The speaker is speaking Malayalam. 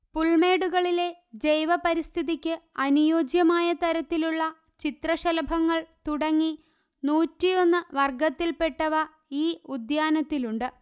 പുൽമേടുകളിലെ ജൈവ പരിസ്ഥിതിയ്ക്ക് അനുയോജ്യമായ തരത്തിലുള്ള ചിത്രശലഭങ്ങൾ തുടങ്ങി നൂറ്റിയൊന്ന്വർഗ്ഗത്തിൽ പെട്ടവ ഈ ഉദ്യാനത്തിലുണ്ട്